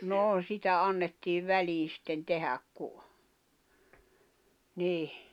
no sitä annettiin väliin sitten tehdä kun niin